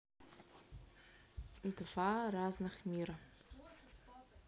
два разных мира